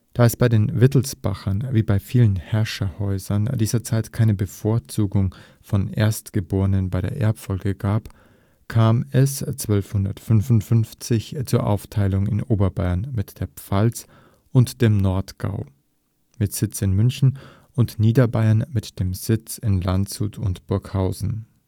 Da es bei den Wittelsbachern wie bei vielen Herrscherhäusern dieser Zeit keine Bevorzugung des Erstgeborenen bei der Erbfolge gab, kam es 1255 zur Aufteilung in Oberbayern mit der Pfalz und dem Nordgau (mit Sitz in München) und Niederbayern (mit den Sitzen in Landshut und Burghausen